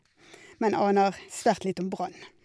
Men aner svært lite om Brann.